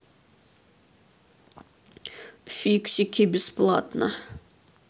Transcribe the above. фиксики бесплатно